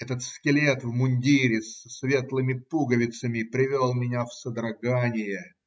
Этот скелет в мундире с светлыми пуговицами привел меня в содрогание.